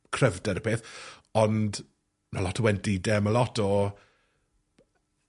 cryfder y peth, ond, ma' lot o wendide, ma' lot o